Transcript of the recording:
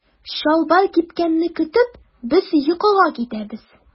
Чалбар кипкәнне көтеп без йокыга китәбез.